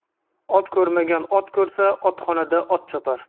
ot ko'rmagan ot ko'rsa otxonada ot chopar